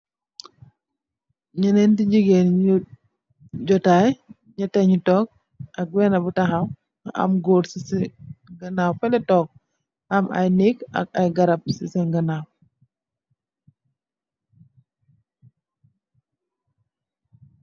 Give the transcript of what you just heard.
Nyenenti gigeen kenah munge takhaw nyatti yi nyunge tok amna goor bu nekah sen ganaw am aye neek si sen ganaw